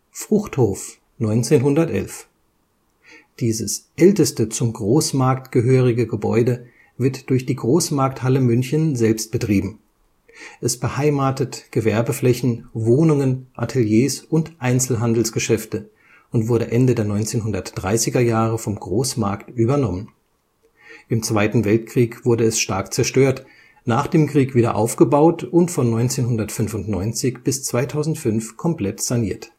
Fruchthof, 1911: Dieses älteste zum Großmarkt gehörige Gebäude wird durch die Großmarkthalle München selbst betrieben, es beheimatet Gewerbeflächen, Wohnungen, Ateliers und Einzelhandelsgeschäfte und wurde Ende der 1930er Jahre vom Großmarkt übernommen. Im Zweiten Weltkrieg wurde es stark zerstört, nach dem Krieg wieder aufgebaut und von 1995 bis 2005 komplett saniert